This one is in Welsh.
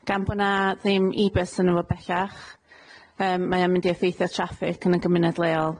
Gan bo' 'na ddim ee bus yn y fo bellach, yym mae o'n mynd i effeithio traffig yn y gymuned leol.